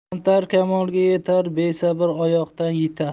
kamtar kamolga yetar besabr oyoqdan yitar